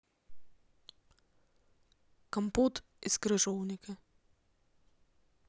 компот из крыжовника